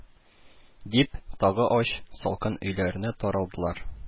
– дип, тагы ач, салкын өйләренә таралдылар